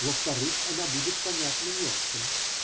во-вторых, она будет понятна немцам